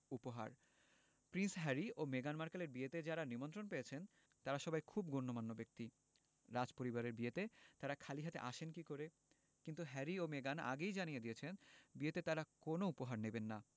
উপহার prince Harry ও মেগান মার্কেলের বিয়েতে যাঁরা নিমন্ত্রণ পেয়েছেন তাঁরা সবাই খুব গণ্যমান্য ব্যক্তি রাজপরিবারের বিয়েতে তাঁরা খালি হাতে আসেন কী করে কিন্তু হ্যারি ও মেগান আগেই জানিয়ে দিয়েছেন বিয়েতে তাঁরা কোনো উপহার নেবেন না